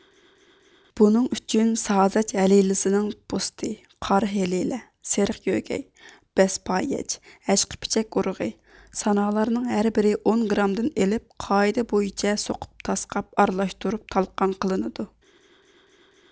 بۇنىڭ ئۈچۈن سازەج ھېلىلىسىنىڭ پوستى قارا ھېلىلە سېرىق يۆگەي بەسپايەج ھەشقىپىچەك ئۇرۇغى سانا لارنىڭ ھەر بىرى ئون گىرامدىن ئېلىپ قائىدە بويىچە سوقۇپ تاسقاپ ئارىلاشتۇرۇپ تالقان قىلىنىدۇ